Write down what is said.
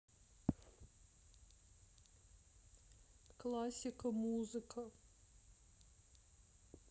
классика музыка